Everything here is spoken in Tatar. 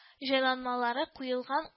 Җайланмалары куелмаган